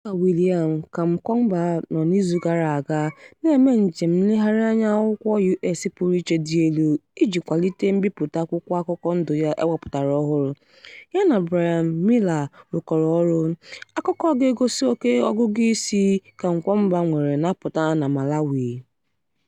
Dịka William Kamkwamba nọ n'izu gara aga na-eme njem nlegharịanya akwụkwọ US pụrụiche dị elu iji kwalite mbipụta akwụkwọ akụkọ ndụ ya e wepụtara ọhụrụ, ya na Bryan Mealer rụkọrọ ọrụ, akụkọ ga-egosi oke ọgụgụisi Kamkwamba nwere na-apụta na Malawi.